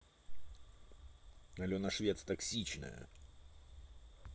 алена швец токсичная